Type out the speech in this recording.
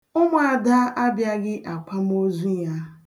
Ụmụada abịaghị akwamozu ya.